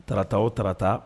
U taa taa o tata